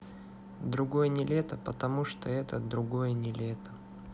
другое нилето потому что это другое не лето